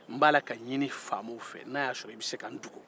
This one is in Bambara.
n b'a la ka ɲini faama fɛ n'a y'a sɔrɔ e bɛ se ka n dogo